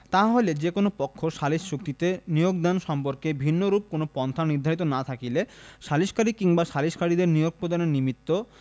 তাহা হইলে যে কোন পক্ষ সালিস চুক্তিতে নিয়োগদান সম্পর্কে ভিন্নরূপ কোন পন্থা নির্ধারিত না থাকিলে সালিসকারী কিংবা সালিসকারীদের নিয়োগ প্রদানের নিমিত্ত